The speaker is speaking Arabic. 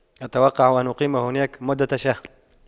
أتوقع أن اقيم هناك مدة شهر